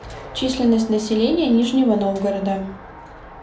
численность населения нижнего новгорода